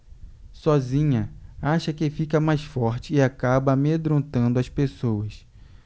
sozinha acha que fica mais forte e acaba amedrontando as pessoas